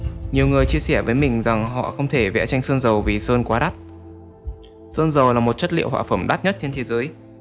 nhiều người chia sẻ với mình rằng họ không thể vẽ tranh sơn dầu vì sơn quá đắt nhiều người chia sẻ với mình rằng họ không thể vẽ tranh sơn dầu vì sơn quá đắt sơn dầu là một chất liệu họa phẩm đắt nhất trên thế giới